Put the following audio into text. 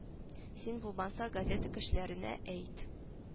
Син булмаса газета кешеләренә әйт